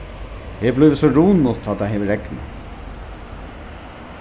her blívur so runut tá tað hevur regnað